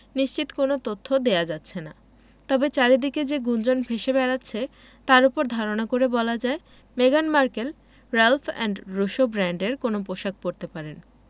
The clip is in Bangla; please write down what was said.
নিশ্চিত কোনো তথ্য দেওয়া যাচ্ছে না তবে চারদিকে যে গুঞ্জন ভেসে বেড়াচ্ছে তার ওপর ধারণা করে বলা যায় মেগান Markle Ralph and Russo ব্র্যান্ডের কোনো পোশাক পরতে পারেন